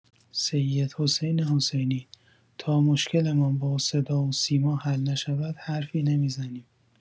سیدحسین حسینی: تا مشکلمان با صدا و سیما حل نشود حرفی نمی‌زنیم.